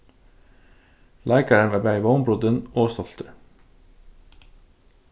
leikarin var bæði vónbrotin og stoltur